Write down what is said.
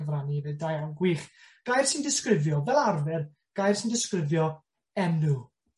cyfrannu efyd. Da iawn, gwych. Gair sy'n disgrifio fel arfer gair sy'n disgrifio enw.